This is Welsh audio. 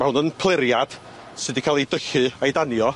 Ma' hwn yn pleriad sy 'di ca'l 'i dyllu a'i danio.